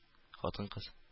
Хатын-кыз